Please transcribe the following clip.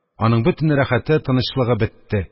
Аның бөтен рәхәте, тынычлыгы бетте.